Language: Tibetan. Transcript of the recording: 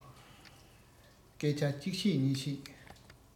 སྐད ཆ གཅིག བཤད གཉིས བཤད